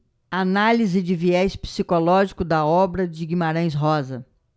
análise de viés psicológico da obra de guimarães rosa